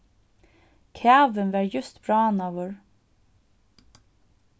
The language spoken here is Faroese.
kavin var júst bráðnaður